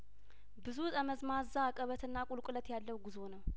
ብዙ ጠመዝማዛ አቀበትና ቁልቁለት ያለው ጉዞ ነው